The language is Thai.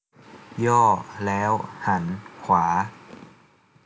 ย่อแล้้วหันขวา